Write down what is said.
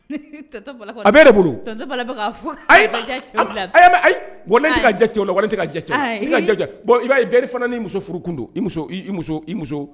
A bolo wa ne tɛ ka cɛ ne tɛ ka i'a bere fana ni muso furu don i muso i